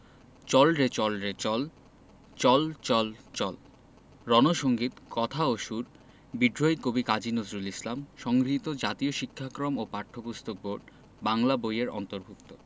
চল রে চল রে চল চল চল চল রন সঙ্গীত কথা ও সুর বিদ্রোহী কবি কাজী নজরুল ইসলাম সংগৃহীত জাতীয় শিক্ষাক্রম ও পাঠ্যপুস্তক বোর্ড বাংলা বই এর অন্তর্ভুক্ত